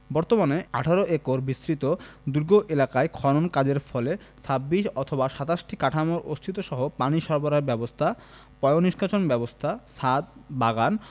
বর্তমানে ১৮ একর বিস্তৃত দুর্গ এলাকায় খনন কাজের ফলে ২৬ অথবা ২৭টি কাঠামোর অস্তিত্বসহ পানি সরবরাহের ব্যবস্থা পয়োনিষ্কাশন ব্যবস্থা ছাদ বাগান